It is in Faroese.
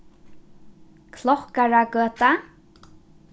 klokkaragøta